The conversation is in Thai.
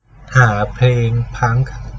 หาเพลงพังค์